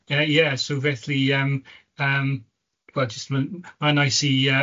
Yy ie, so felly yym yym, wel jyst ma' ma'n neis i yy